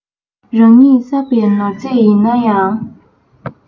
རང ཉིད བསགས པའི ནོར རྫས ཡིན ན ཡང